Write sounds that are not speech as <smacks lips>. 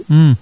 <smacks lips>